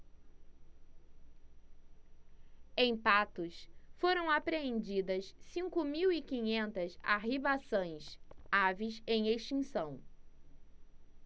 em patos foram apreendidas cinco mil e quinhentas arribaçãs aves em extinção